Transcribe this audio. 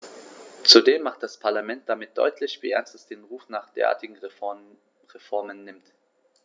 Zudem macht das Parlament damit deutlich, wie ernst es den Ruf nach derartigen Reformen nimmt.